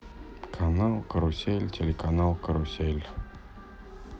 канал карусель телеканал карусель